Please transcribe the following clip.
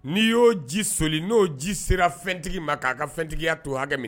N'i y'o ji soli n'o ji sera ftigi ma k'a ka fɛntigiya to hakɛ min